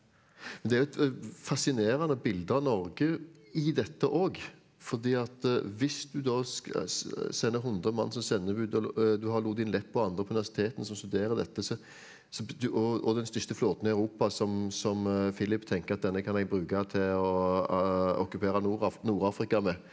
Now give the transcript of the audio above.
det er jo et fasinerende bilde av Norge i dette òg fordi at hvis du da sender 100 mann så sender du du har Lodin Lepp og andre på universitetene som studerer dette så så og og den største flåten i Europa som som Philippe tenker at denne kan jeg bruke til å okkupere Nord-Af Nord-Afrika med.